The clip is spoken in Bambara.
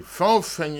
Fɛn o fɛn ye